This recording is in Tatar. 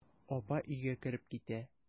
Апа өйгә кереп китә.